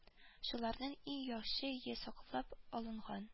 Шуларның иң яхшы е сайлап алынган